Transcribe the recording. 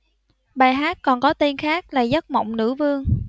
bài hát còn có tên khác là giấc mộng nữ vương